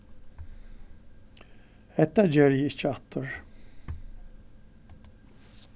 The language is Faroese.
hetta geri eg ikki aftur